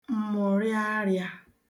m̀mụ̀rịarịā